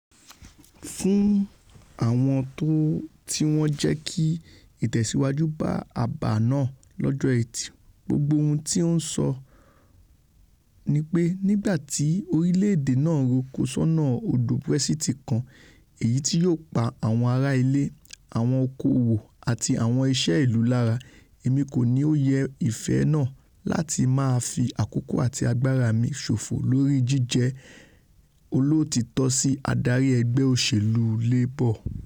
Fún àwọn tíwọn jẹ́kí ìtẹ̀síwájú bá àbá náà lọ́jọ́ Ẹtì, gbogbo ohun ti N ó sọ nipé nígbà tí orílẹ̀-èdè náà ńroko sọ́nà ọ̀dọ̀ Brexit kan èyití yóò pa àwọn ara-ilé, àwọn oko-òwò, àti àwọn iṣé ìlú lára, Èmi kòní òye ìfẹ́ náà láti máa fi àkókò àti agbára mi ṣofo lórí jíjẹ́ olóòtítọ́ si adarí ẹgbẹ́ òṣèlú Labour.